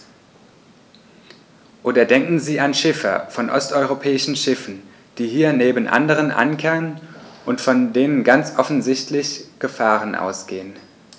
Oder denken Sie an Schiffer von osteuropäischen Schiffen, die hier neben anderen ankern und von denen ganz offensichtlich Gefahren ausgehen.